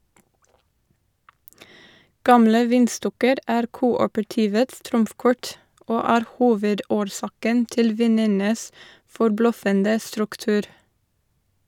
Gamle vinstokker er kooperativets trumfkort, og er hovedårsaken til vinenes forbløffende struktur.